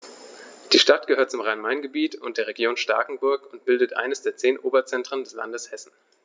Die Stadt gehört zum Rhein-Main-Gebiet und der Region Starkenburg und bildet eines der zehn Oberzentren des Landes Hessen.